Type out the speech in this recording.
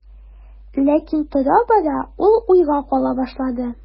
Ләкин тора-бара ул уйга кала башлады.